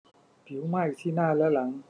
ผิวไหม้ที่หน้าและหลัง